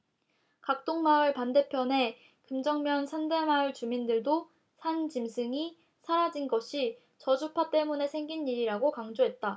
각동마을 반대편의 금정면 산대마을 주민들도 산짐승이 사라진 것이 저주파 때문에 생긴 일이라고 강조했다